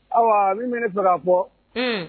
Ayiwa min bɛ ne fɛ ka fɔ, un